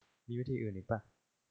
มีวิธีอื่นอีกปะ